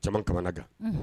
Caman ka kan